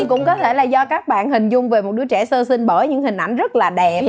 cũng có thể là do các bạn hình dung về một đứa trẻ sơ sinh bởi những hình ảnh rất là đẹp